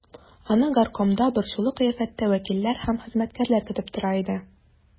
Аны горкомда борчулы кыяфәттә вәкилләр һәм хезмәткәрләр көтеп тора иде.